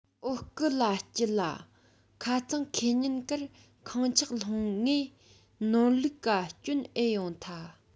འོ སྐིད ལ སྐྱིད ལ ཁ རྩང ཁེས ཉིན ཀར ཁངས ཆགས ལྷུང ངས ནོར ལུག ག སྐྱོན ཨེ ཡོང ཐལ